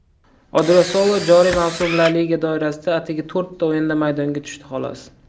odriosola joriy mavsum la liga doirasida atigi to'rtta o'yinda maydonga tushdi xolos